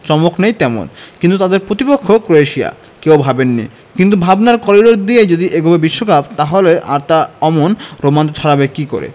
চমক নেই তেমন কিন্তু তাদের প্রতিপক্ষ ক্রোয়েশিয়া কেউ ভাবেননি কিন্তু ভাবনার করিডর দিয়েই যদি এগোবে বিশ্বকাপ তাহলে আর তা অমন রোমাঞ্চ ছড়াবে কী করে